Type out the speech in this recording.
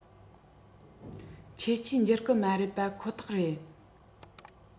ཁྱད ཆོས འགྱུར གི མ རེད པ ཁོ ཐག རེད